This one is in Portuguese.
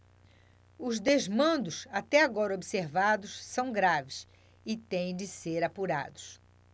os desmandos até agora observados são graves e têm de ser apurados